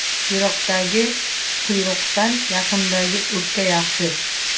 yiroqdagi quyruqdan yaqindagi o'pka yaxshi